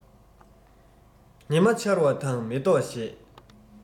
ཉི མ འཆར བ དང མེ ཏོག བཞད